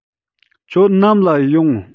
ཁྱོད ནམ ལ ཡོང